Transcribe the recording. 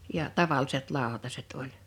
ja tavalliset lautaset oli